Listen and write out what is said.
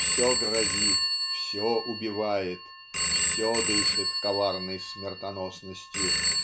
Все грозит, все убивает, все дышит коварной смертоносностью.